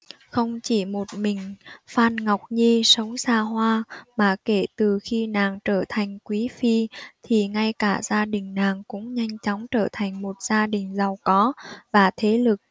không chỉ một mình phan ngọc nhi sống xa hoa mà kể từ khi nàng trở thành quý phi thì ngay cả gia đình nàng cũng nhanh chóng trở thành một gia đình giàu có và thế lực